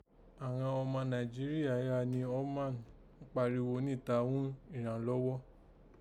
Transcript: Àghan ọma Nàìjíríà yí ha ni Oman kparigho níta ghún iranlọghọ